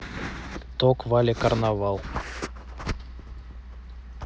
ток вали карнавал